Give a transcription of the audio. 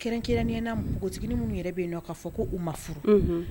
Kɛrɛn kelenrɛnin ɲɛna na mugutigiigini minnu yɛrɛ bɛ yen nɔ k kaa fɔ ko u ma furu